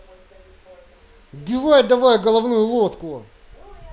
убивай давай головную лодку